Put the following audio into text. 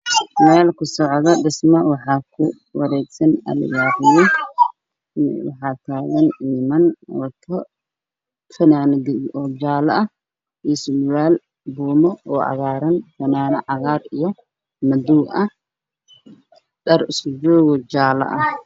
Waa guri dhismo ku socda niman ayaa jooga